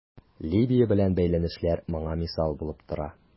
Либия белән бәйләнешләр моңа мисал булып тора.